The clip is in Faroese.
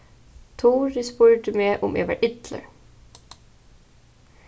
turið spurdi meg um eg var illur